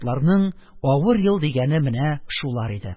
Картларның "авыр ел" дигәне менә шулар иде.